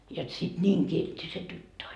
jotta sitten niin kiltti se tyttö on